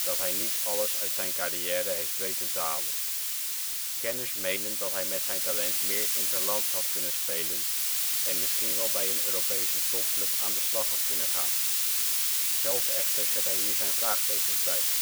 dat hij niet alles uit zijn carrière heeft weten te halen. Kenners menen dat hij met zijn talent meer interlands had kunnen spelen en misschien wel bij een Europese topclub aan de slag had kunnen gaan. Zelf echter zet hij hier zijn vraagtekens bij